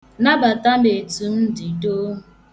Nabata m etu m dị, doo.